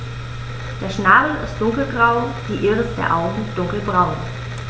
Der Schnabel ist dunkelgrau, die Iris der Augen dunkelbraun.